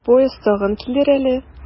Поезд тагын килер әле.